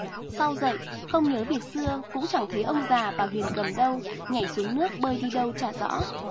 sau dậy không nhớ việc xưa cũng chẳng thấy ông già và huyền cầm đâu nhảy xuống nước bơi đi đâu chả rõ